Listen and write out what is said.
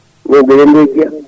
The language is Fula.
*Guiya